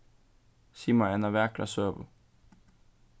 sig mær eina vakra søgu